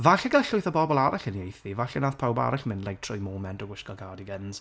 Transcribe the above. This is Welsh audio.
Falle gall llwyth o bobol arall uniaethu, falle wnaeth pawb arall mynd, like, trwy moment o wisgo cardigans.